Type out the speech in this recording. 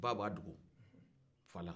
ba b'a dogo fa la